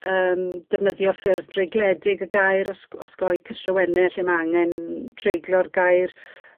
yym defnyddio ffurf dreigledig y gair osg- osgoi cystrawenne lle ma' angen treiglo'r gair